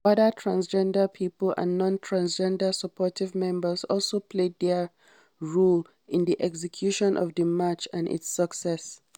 Other transgender people and non-transgender supportive members also played their role in the execution of the march and its success.